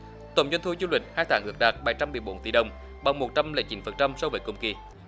tổng doanh thu du lịch hai tầng ước đạt bảy trăm mười bốn tỷ đồng bằng một trăm lẻ chín phần trăm so với cùng kỳ